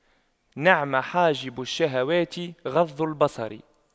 نعم حاجب الشهوات غض البصر